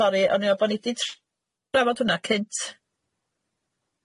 O sori o'n i me'wl bo' ni di trafod hwnna cynt.